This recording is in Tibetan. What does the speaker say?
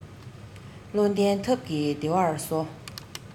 བློ ལྡན ཐབས ཀྱིས བདེ བར གསོ